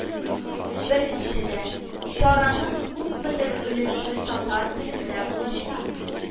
Беренчедән, чараның күпмедер өлеше татар телендә булачак